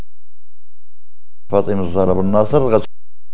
فاطمه الزهراء الناصري